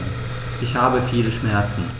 Ich habe viele Schmerzen.